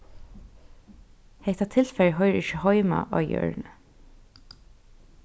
hetta tilfarið hoyrir ikki heima á jørðini